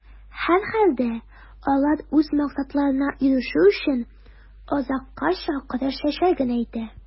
Һәрхәлдә, алар үз максатларына ирешү өчен, азаккача көрәшәчәген әйтә.